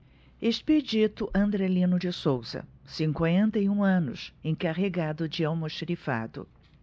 expedito andrelino de souza cinquenta e um anos encarregado de almoxarifado